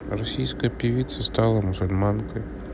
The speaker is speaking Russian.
российская певица стала мусульманкой